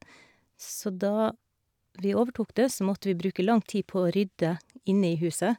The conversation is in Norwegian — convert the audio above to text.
Så da vi overtok det så måtte vi bruke lang tid på å rydde inne i huset.